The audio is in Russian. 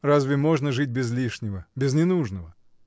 — Разве можно жить без лишнего, без ненужного?